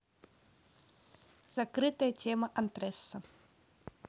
закрытая тема антересно